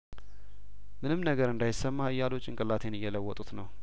ምንም ነገር እንዳይሰማህ እያሉ ጭንቅላቴን እየለወጡት ነው